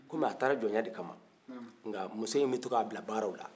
komi a taara jɔnya de kama nka muso in bɛ to k'a bila baaraw la